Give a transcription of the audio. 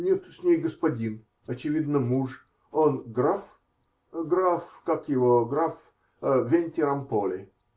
-- Нет, с ней господин, очевидно, муж. Он -- граф. граф. как его. граф Венти-Рамполи.